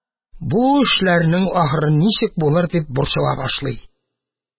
«бу эшләрнең ахыры ничек булыр?» – дип борчыла башлый.